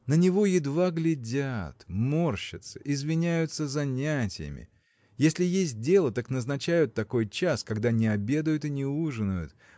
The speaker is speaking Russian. на него едва глядят, морщатся, извиняются занятиями если есть дело так назначают такой час когда не обедают и не ужинают